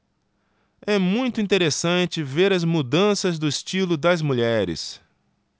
é muito interessante ver as mudanças do estilo das mulheres